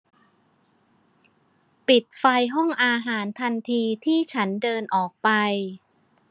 ปิดไฟห้องอาหารทันทีที่ฉันเดินออกไป